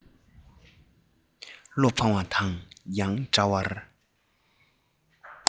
བློ ཕངས བ དང ཡང འདྲ བར